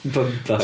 Bum bag.